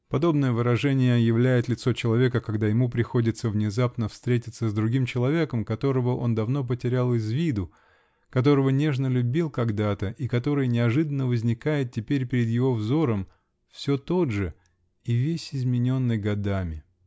Подобное выражение являет лицо человека, когда ему приходится внезапно встретиться с другим человеком, которого он давно потерял из виду, которого нежно любил когда-то и который неожиданно возникает теперь перед его взором, все тот же -- и весь измененный годами.